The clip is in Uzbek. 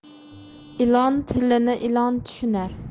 ilon tilini ilon tushunar